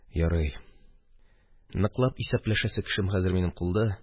Ярый, ныклап исәпләшәсе кешем хәзер минем кулда.